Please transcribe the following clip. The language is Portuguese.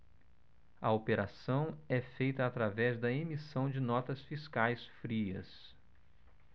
a operação é feita através da emissão de notas fiscais frias